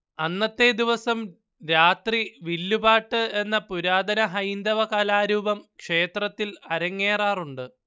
അന്നത്തെ ദിവസം രാത്രി വില്ലുപാട്ട് എന്ന പുരാതന ഹൈന്ദവകലാരൂപം ക്ഷേത്രത്തിൽ അരങ്ങേറാറുണ്ട്